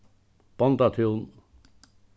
bóndatún